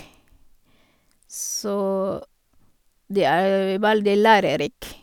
Så det er veldig lærerik.